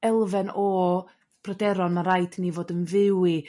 elfen o pryderon ma' raid i ni fod yn fyw i.